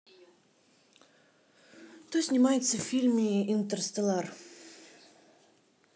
кто снимался в фильме интерстеллар